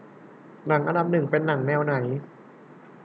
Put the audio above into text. หนังอันดับหนึ่งเป็นหนังแนวไหน